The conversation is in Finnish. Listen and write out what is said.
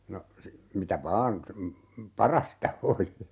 no - mitä vain parasta oli